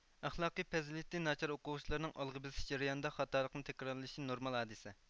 ئەخلاقىي پەزىلىتى ناچار ئوقۇغۇچىلارنىڭ ئالغا بېسىش جەريانىدا خاتالىقنى تەكرارلىشى نورمال ھادىسە